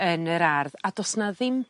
yn yr ardd a do's 'na ddim